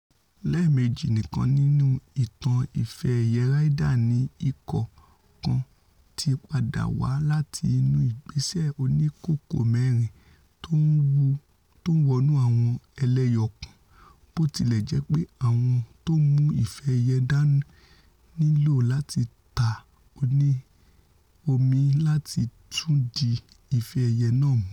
Lẹ́ẹ̀mejì nìkan nínú ìtàn Ife-ẹ̀yẹ Ryder ni ikọ̀ kan ti padà wá láti inu gbèsè oníkókó-mẹ́rin tó ńwọnú àwọn ẹlẹ́ẹyọ̀kan, botilẹjẹpe àwọn tómú ife-ẹ̀yẹ dáni nílò láti ta ọ̀mì láti tún di ife-ẹyẹ̀ náà mú.